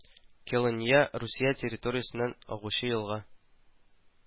Келынъя Русия территориясеннән агучы елга